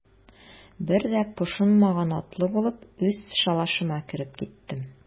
Бер дә пошынмаган атлы булып, үз шалашыма кереп киттем.